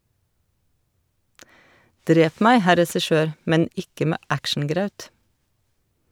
Drep meg, herr regissør, men ikke med actiongraut.